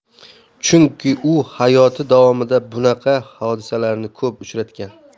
chunki u hayoti davomida bunaqa hodisalarni ko'p uchratgan